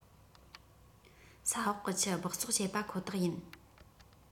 ས འོག གི ཆུ སྦགས བཙོག བྱེད པ ཁོ ཐག ཡིན